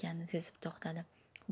sezib to'xtadi